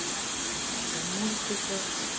в мультиках